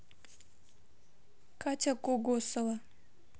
катя гогосова